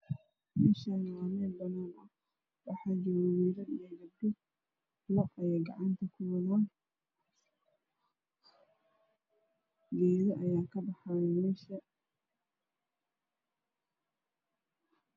Meeshaani waa meel banaan ah waxaa jooga wiilal iyo gabdho geedo ayaa ka baxaayo meesha